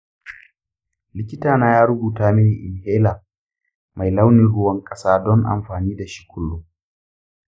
likitana ya rubuta mini inhaler mai launin ruwan ƙasa don amfani da shi kullum.